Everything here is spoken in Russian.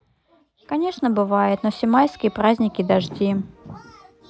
конечно бывает но все майские праздники дожди